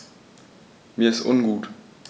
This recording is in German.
Mir ist ungut.